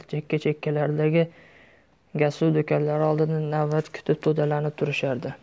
chekka chekkalardagi gazsuv do'konlari oldida navbat kutib to'dalanib turishardi